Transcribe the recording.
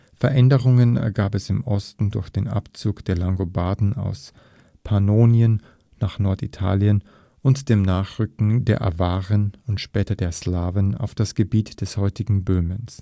Veränderungen gab es im Osten auch durch den Abzug der Langobarden aus Pannonien nach Norditalien und dem Nachrücken der Awaren und später der Slawen auf das Gebiet des heutigen Böhmens